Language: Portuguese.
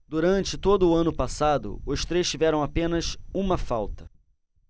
durante todo o ano passado os três tiveram apenas uma falta